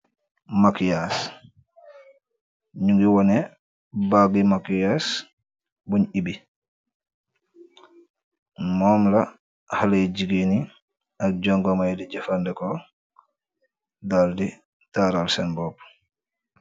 machias ñu ngi wone bàggi machias buñ ibi moom la haaleh jigee ni ak jongomay di jëfande ko dal di taaral seen boppa